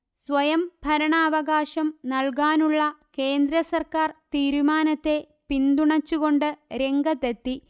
സ്വയം ഭരണാവകാശം നല്കാനുള്ള കേന്ദ്ര സർക്കാർ തീരുമാനത്തെ പിന്തുണച്ചു കൊണ്ട് രംഗത്തെത്തി